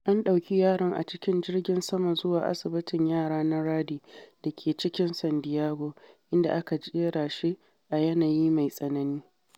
An ɗauki yaron a cikin jirgin sama zuwa Asibitin Yara na Rady da ke cikin San Diego inda aka jera shi a yanayi mai tsanani.